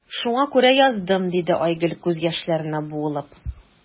Шуңа күрә яздым,– диде Айгөл, күз яшьләренә буылып.